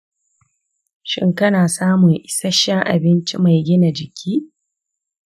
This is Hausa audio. shin kana samun isasshen abinci mai gina jiki?